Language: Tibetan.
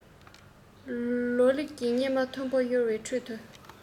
ལོ ལེགས ཀྱི སྙེ མ མཐོན པོར གཡོ བའི ཁྲོད དུ